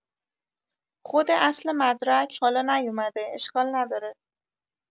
خود اصل مدرک حالا نیومده اشکال نداره